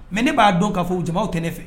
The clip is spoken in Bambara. Mɛ ne b'a dɔn ka' fɔ jamaw kɛnɛ ne fɛ